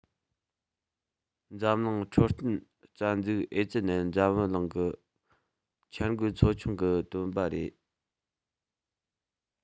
འཛམ གླིང འཕྲོད བསྟེན རྩ འཛུགས ཨེ ཙི ནད འཛམ བུ གླིང གི འཆར འགོད ཚོ ཆུང གིས བཏོན པ རེད